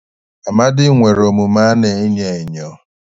Amadị nwere omume a na-enyo enyo